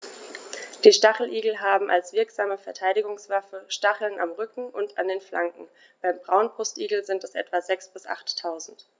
Die Stacheligel haben als wirksame Verteidigungswaffe Stacheln am Rücken und an den Flanken (beim Braunbrustigel sind es etwa sechs- bis achttausend).